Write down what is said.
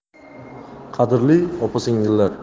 qadrli opa singillar